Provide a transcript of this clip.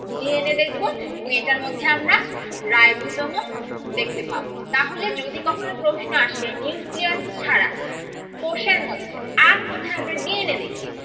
DNA দেখব এবং এটার মধ্যে আমরা রাইবোজোম ও দেখতে পাব তাহলে যদি কখনো প্রশ্ন আসে নিউক্লিয়াস ছাড়া কোষের মধ্যে আর কোথায় আমরা ডিএনএ দেখি